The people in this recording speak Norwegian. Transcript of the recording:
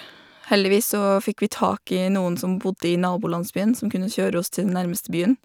Heldigvis så fikk vi tak i noen som bodde i nabolandsbyen som kunne kjøre oss til den nærmeste byen.